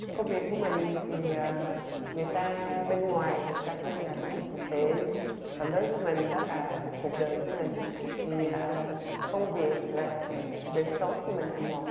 công việc của mình thì người ta bên ngoài người ta kêu là công việc từ thiện còn đối với mình đó là cuộc đời của mình thì à công việc và đời sống của mình là một